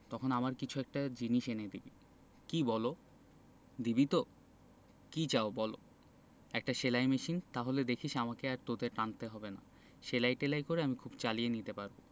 তখন আমার কিছু একটা জিনিস এনে দিবি কি বলো দিবি তো কি চাও বলো একটা সেলাই মেশিন তাহলে দেখিস আমাকে আর তোদের টানতে হবে না সেলাই টেলাই করে আমি খুব চালিয়ে নিতে পারব